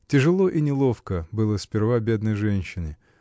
Тяжело и неловко было сперва бедной женщине